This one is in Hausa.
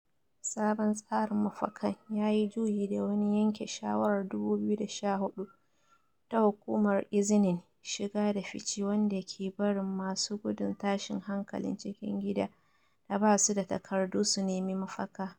Sabon tsarin mafakan ya yi juyi da wani yanke shawarar 2014 ta Hukumar Izinin Shiga da Fice wanda ya ke barin masu gudun tashin hankalin cikin gida da ba su da takardu su nemi mafaka.